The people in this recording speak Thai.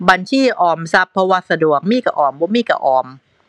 บัญชีออมทรัพย์ เพราะว่าสะดวก มีก็ออม บ่มีก็ออม